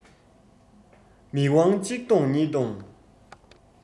མིག དབང གཅིག ལྡོངས གཉིས ལྡོངས